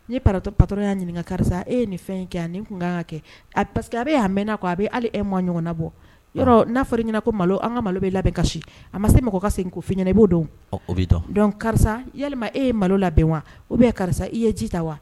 Ni patɔ patɔya'a ɲininka ka karisa e ye nin fɛn in kɛ nin kunkan kɛ a parceseke a bɛ'a mɛnna a bɛ hali e ma ɲɔgɔn na bɔ yɔrɔ n'a fɔra i ɲɛnaina ko malo an ka malo bɛ labɛn kasi a ma se mɔgɔ ka se ko ffin ɲɛnaɲɛna i b'o dɔn dɔn karisa ya e ye malo labɛn wa o bɛ karisa i ye ji ta wa